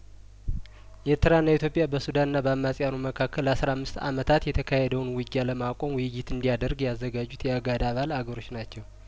ኤርትራና ኢትዮጵያበሱዳንና በአማጺያኑ መካከል ላ ስራ አምስት አመታት የተካሄደውን ውጊያ ለማቆም ውይይት እንዲያደርግ ያዘጋጁት የአጋድ አባል አገሮች ናቸው